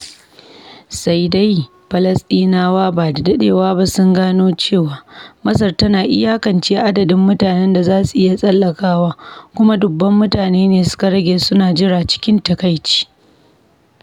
Sai dai, Falasɗinawa ba da daɗewa sun gano cewa Masar tana iyakance adadin mutanen da za su iya tsallakawa, kuma dubban mutane ne suka rage suna jira cikin takaici.